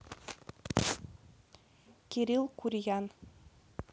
кирилл курьян